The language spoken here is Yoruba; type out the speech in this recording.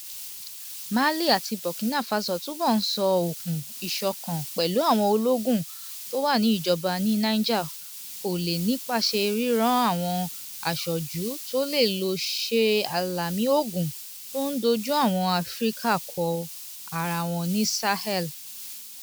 Mali àti Burkina Faso túbọ̀ ń so okùn ìṣọ̀kan pẹ̀lú àwọn ológun tó wà ní ìjọba ní Niger kó le nípasẹ̀ ríràn awọn aṣojú tó le lọ̀ ṣe alamí ogun tó ń dojú àwọn Áfíríkà kọ ara wọn ní sahel.